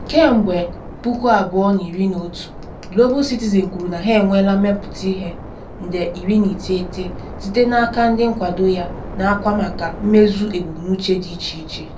Kemgbe 2011, Global Citizen kwuru na ha enweela ”mmepụta ihe” nde 19 site n’aka ndị nkwado ya, na-akwa maka mmezu ebumnuche dị iche iche.